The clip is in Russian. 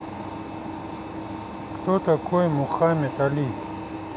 кто такой мухаммед али